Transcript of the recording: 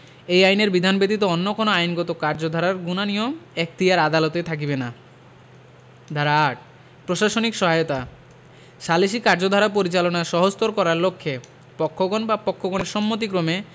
এই আইনের বিধান ব্যতীত অন্য কোন আইনগত কার্যধারার উনানীও এখতিয়ার আদালতের থাকিবে না ধারা ৮ প্রশাসনিক সহায়তাঃ সালিসী কার্যধারা পরিচালনা সহজতর করার লক্ষ্যে পক্ষগণ বা পক্ষগণের সম্মতিক্রমে